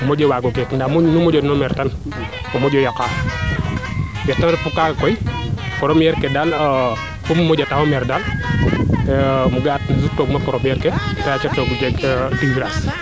moƴo wago geek ndam nu monja noona mer tan o moƴo yaqaa meete refna kaaga koy premiere ke daal in ret bo monjo to mer daal yeete sutn premiere ke kaa yaaca toogu jeg